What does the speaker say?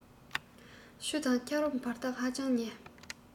ཆུ དང འཁྱག རོམ བར ཐག ཧ ཅང ཉེ